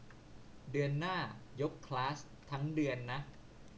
เดือนหน้ายกคลาสทั้งเดือนนะ